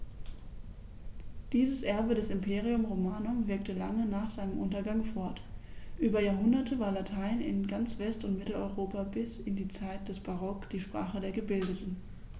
Dieses Erbe des Imperium Romanum wirkte lange nach seinem Untergang fort: Über Jahrhunderte war Latein in ganz West- und Mitteleuropa bis in die Zeit des Barock die Sprache der Gebildeten.